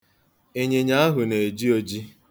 Ịnyịnya ahụ na-eji oji.